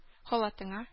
Халатыңа